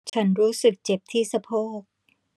ฉันรู้สึกเจ็บที่สะโพก